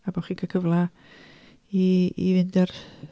a bod chi'n cael cyfle i i fynd i fynd ar...